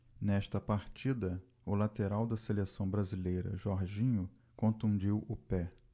nesta partida o lateral da seleção brasileira jorginho contundiu o pé